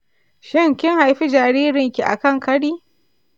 shin kin haifi jaririnki a kan kari?